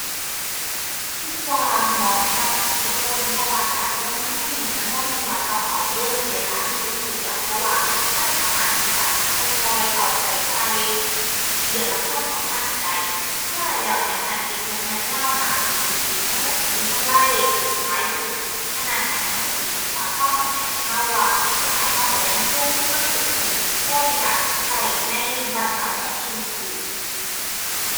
คิดว่าเหมาะกับซุคน เพราะว่าการลงทุนนี่มันบ่แม่นว่าต้องเอาเงินหลายหลายไปลงเทื่อเดียว แต่ว่ามันสามารถที่จะค่อยค่อยเอาไปใส่เดือนละพันสองพันคิดได้ สุดท้ายแล้วเนี่ยหั้นเก็บระยะยาวห้าปีสิบปีเนี่ยมันคิดสิมีกำรไหลายขึ้น ฉะนั้น อันเนี้ยมันคิดสิสร้างความมั่นใจให้คิดว่าสุดท้ายคิดคิดยังคงมีเงินตรงนี้ พอที่จะคิดในบั้นปลายของชีวิตอยู่